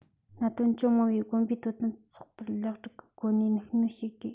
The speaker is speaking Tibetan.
གནད དོན ཅུང མང བའི དགོན པའི དོ དམ ཚོགས པར ལེགས སྒྲིག གི སྒོ ནས ཤུགས སྣོན བྱེད དགོས